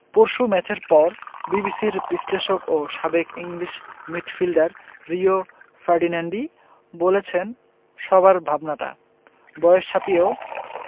পরশু ম্যাচের পর বিবিসির বিশ্লেষক ও সাবেক ইংলিশ মিড ফিল্ডার রিও ফার্ডিনান্ডই বলেছেন সবার ভাবনাটা বয়স ছাপিয়েও